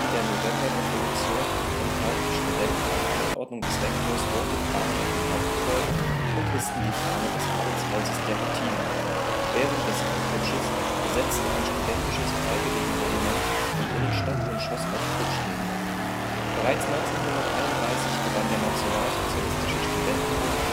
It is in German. der Novemberrevolution entfernten Studenten auf Anordnung des Rektors rote Flaggen auf dem Hauptgebäude und hissten die Fahne des Adelshauses der Wettiner; während des Kapp-Putsches besetzte ein studentisches Freiwilligenregiment die Innenstadt und schoss auf Putschgegner. Bereits 1931 gewann der Nationalsozialistische Studentenbund